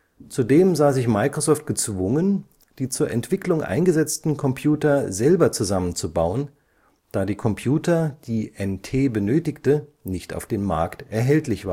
Zudem sah sich Microsoft gezwungen, die zur Entwicklung eingesetzten Computer selber zusammenzubauen, da die Computer, die NT benötigte, nicht auf dem Markt erhältlich